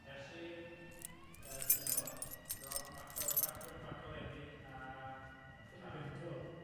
Ers i yym yy be' 'di enw fo Rob Macal- Macal- Macalenni a... 'Co ni fynd 'to. y llall.